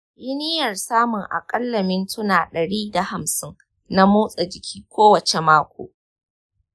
yi niyyar samun aƙalla mintuna dari da hamsin na motsa jiki kowace mako.